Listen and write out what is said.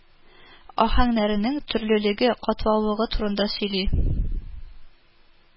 Аһәңнәренең төрлелеге, катлаулылыгы турында сөйли